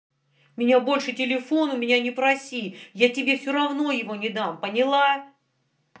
меня больше телефон у меня не проси я тебе все равно его не дам поняла